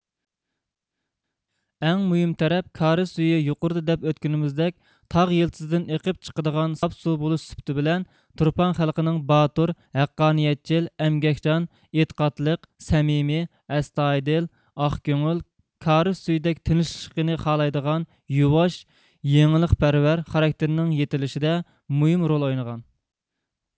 ئەڭ مۇھىم تەرەپ كارىز سۈيى يۇقۇرىدا دەپ ئۆتكىنىمىزدەك تاغ يىلتىزىدىن ئېقىپ چىقىدىغان ساپ سۇ بولۇش سۈپىتى بىلەن تۇرپان خەلقىنىڭ باتۇر ھەققانىيەتچىل ئەمگەكچان ئېتىقادلىق سەمىمىي ئەستايىدىل ئاقكۆڭۈل كارىز سۈيىدەك تىنىچلىقنى خالايدىغان يۇۋاش يېڭىلىقپەرۋەر خاراكتىرىنىڭ يېتىلىشىدە مۇھىم رول ئوينىغان